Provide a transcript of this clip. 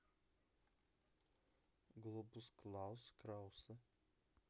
globus klaus krause